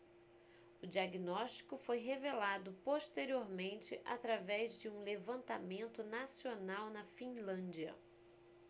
o diagnóstico foi revelado posteriormente através de um levantamento nacional na finlândia